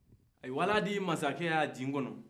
u tara n'a ye mansacɛ k'a jin kɔnɔ